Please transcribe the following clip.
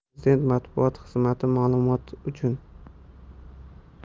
prezident matbuot xizmatima'lumot uchun